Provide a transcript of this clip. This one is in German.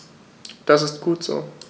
Das ist gut so.